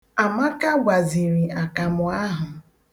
Amaka gwaziri akamụ ahụ.